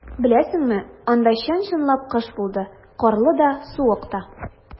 Беләсеңме, анда чын-чынлап кыш булды - карлы да, суык та.